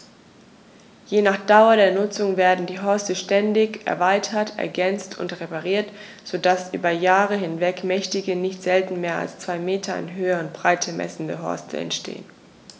Je nach Dauer der Nutzung werden die Horste ständig erweitert, ergänzt und repariert, so dass über Jahre hinweg mächtige, nicht selten mehr als zwei Meter in Höhe und Breite messende Horste entstehen.